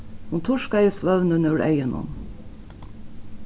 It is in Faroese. hon turkaði svøvnin úr eygunum